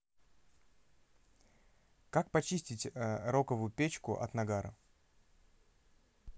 как почистить роковую печку от нагара